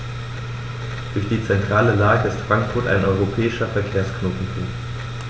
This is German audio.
Durch die zentrale Lage ist Frankfurt ein europäischer Verkehrsknotenpunkt.